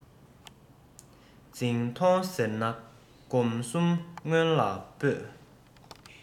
འཛིང ཐོངས ཟེར ན གོམ གསུམ སྔོན ལ སྤོས